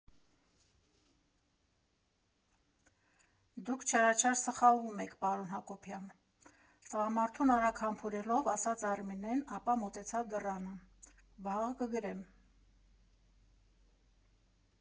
Դուք չարաչար սխալվում եք, պարոն Հակոբյան, ֊ տղամարդուն արագ համբուրելով ասաց Արմինեն, ապա մոտեցավ դռանը, ֊ Վաղը կգրեմ։